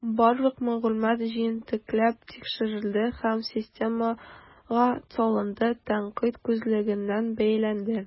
Барлык мәгълүмат җентекләп тикшерелде һәм системага салынды, тәнкыйть күзлегеннән бәяләнде.